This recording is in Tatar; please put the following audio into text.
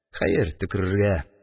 Хәер, төкерергә